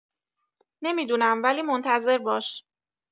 نمی‌دونم، ولی منتظر باش.